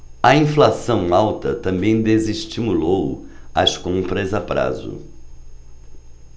a inflação alta também desestimulou as compras a prazo